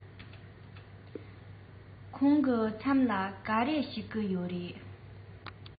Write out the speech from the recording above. ཁོང གི མཚན ལ ག རེ ཞུ གི ཡོད རེད